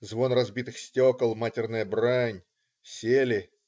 Звон разбитых стекол, матерная брань. Сели.